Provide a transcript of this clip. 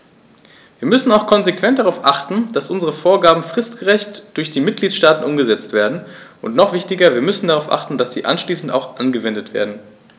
Wir müssen auch konsequent darauf achten, dass unsere Vorgaben fristgerecht durch die Mitgliedstaaten umgesetzt werden, und noch wichtiger, wir müssen darauf achten, dass sie anschließend auch angewendet werden.